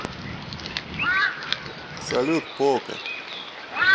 салют полка